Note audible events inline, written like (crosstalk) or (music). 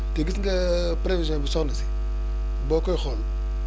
te gis nga (hesitation) prévision bi soxna si boo koy xool